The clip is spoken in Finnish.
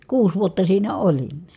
kuusi vuotta siinä olin